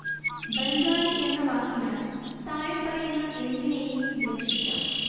ബംഗാളി എന്ന വാക്കിനാല്‍ താഴെപ്പറയുന്ന എന്തിനേയും വിവക്ഷിക്കാം